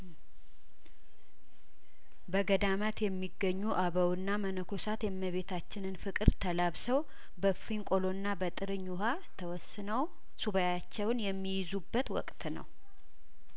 በገዳማት የሚገኙ አበውና መነኮሳት የእመቤታችንን ፍቅር ተላብሰው በእፍኝ ቆሎና በጥርኝ ውሀ ተወስነው ሱባኤያቸውን የሚይዙበት ወቅት ነው